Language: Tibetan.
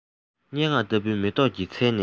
སྙན ངག ལྟ བུའི མེ ཏོག གི ཚལ ནས